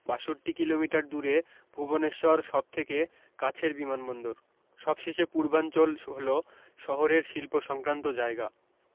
বাষট্টি কিলোমিটার দূরে ভুবনেশ্বর সবথেকে কাছের বিমানবন্দর সবশেষে পুর্বাঞ্চল হল শহরের শিল্পসংক্রান্ত জায়গা